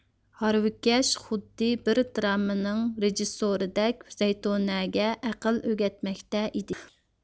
ھارۋىكەش خۇددى بىر دراممىنىڭ رېژىسسورىدەك زەيتۇنەگە ئەقىل ئۆگەتمەكتە ئىدى